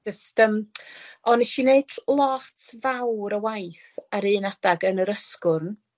jyst yym o nesh i neud lot fawr y waith a'r un adag yn Yr Ysgwrn